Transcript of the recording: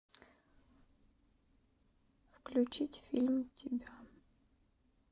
включить фильм тебя